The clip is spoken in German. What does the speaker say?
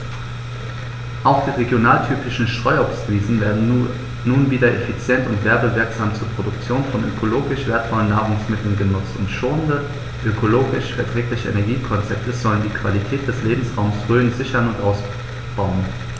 Auch die regionaltypischen Streuobstwiesen werden nun wieder effizient und werbewirksam zur Produktion von ökologisch wertvollen Nahrungsmitteln genutzt, und schonende, ökologisch verträgliche Energiekonzepte sollen die Qualität des Lebensraumes Rhön sichern und ausbauen.